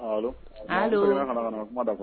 Kuma da